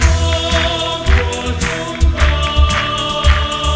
thành phố của chúng con